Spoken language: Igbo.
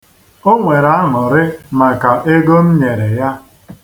O nwere aṅụrị maka ego m nyere ya.